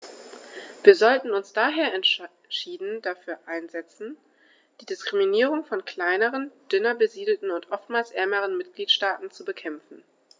Wir sollten uns daher entschieden dafür einsetzen, die Diskriminierung von kleineren, dünner besiedelten und oftmals ärmeren Mitgliedstaaten zu bekämpfen.